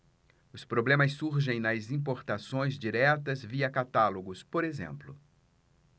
os problemas surgem nas importações diretas via catálogos por exemplo